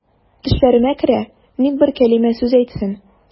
Төшләремә керә, ник бер кәлимә сүз әйтсен.